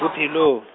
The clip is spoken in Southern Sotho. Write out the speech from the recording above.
Bophelong.